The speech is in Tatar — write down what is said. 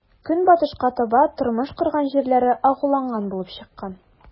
Көнбатышка таба тормыш корган җирләре агуланган булып чыккан.